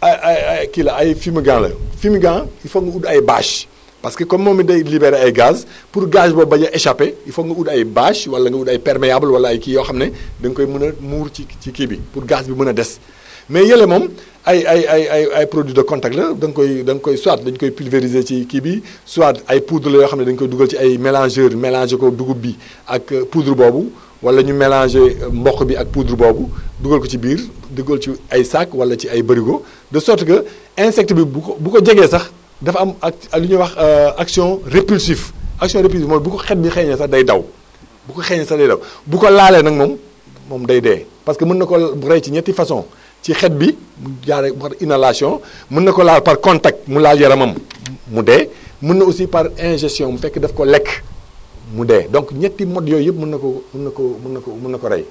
ay fumigant la fumigant il faut ubbi ay bâche parce que comme moom it day libéré ay gaz pour gaz ba bañ a échappé il faut mu ut ay bâches wala mu ut ay perméable wala ay kii yoo xam ne di nga koy mën a muur ci kii bi pour gaz bi mën a des mais yële moom ay ay ay ay ay produits de contact la da nga koy da nga koy soit da nga koy pulvériser ci kii bi soit ay poudre la yoo xam ne dañu koy dugal ci ay mélangeurs mélangé koog dugub bi ak poudre boobu wala ñu mélangé mboq bi ak poudre boobu dugal ko ci biir dugal ci ay saak wala ci ay bërigo de sorte que insecte bi bu ko jegee sax dafa am ak li ñuy wax action répulsif action répulsif mooy bu ko xet bi xeeñee sax day daw bu ko xeeñee sax day daw bu ko laalee nag moom moom day dee parce que mën na ko rey ci ñetti façon ci xet bi bu jaaree par inhalation mën na ko laal par contact mu laal yaramam mu dee mën na aussi par injection fekk daf ko lekk mu dee donc ñetti modes yooyu yëpp mën na ko mën na ko mën na ko mën na ko rey